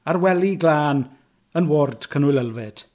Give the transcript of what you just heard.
Ar wely glân, yn ward Cynwyl Elfed.